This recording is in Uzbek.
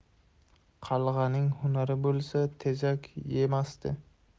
qaig'aning hunari bo'lsa tezak yemasdi